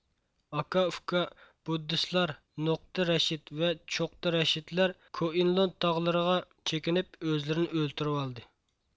ئاكا ئۇكا بۇددىستلار نۇقتى رەشىد ۋە چوقتى رەشىدلەر كۇئېنلۇن تاغلىرىغا چېكىنىپ ئۆزلىرىنى ئۆلتۈرۈۋالدى